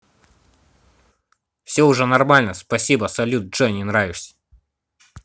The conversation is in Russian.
все уже нормально спасибо салют джой не нравишься